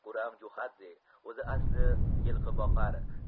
guram jo'xadze o'zi asli yilqiboqar